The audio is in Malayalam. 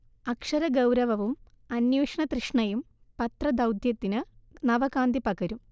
അക്ഷരഗൗരവവും അന്വേഷണ തൃഷ്ണയും പത്ര ദൗത്യത്തിന് നവകാന്തി പകരും